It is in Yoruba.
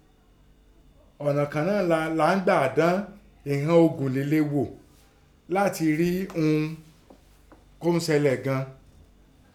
Ọ̀nà kan náà la gbà ń dán ìnọn oògùn líle ghò látẹ́n rí ihun kọ́ mí sisẹ́ gan an.